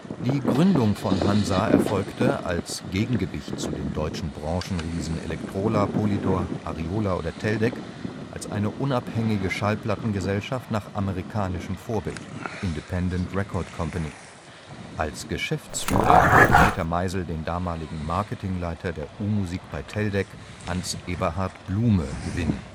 Die Gründung von Hansa erfolgte – als Gegengewicht zu den deutschen Branchenriesen Electrola, Polydor, Ariola oder Teldec – als eine unabhängige Schallplattengesellschaft nach amerikanischem Vorbild („ Independent Record Company “). Als Geschäftsführer konnte Peter Meisel den damaligen Marketingleiter der U-Musik bei Teldec, Hans-Eberhard Blume, gewinnen